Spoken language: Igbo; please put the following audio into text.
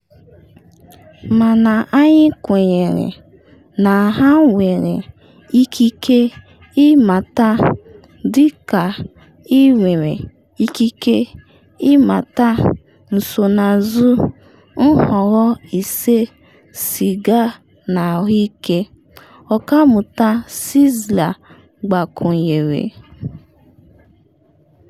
Mana anyị kwenyere na ha nwere ikike ịmata- dịka inwere ikike ịmata nsonazụ nhọrọ ise siga n’ahụike,’ Ọkammụta Czeisler gbakwunyere.